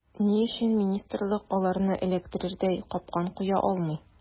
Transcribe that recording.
Ни өчен министрлык аларны эләктерердәй “капкан” куя алмый.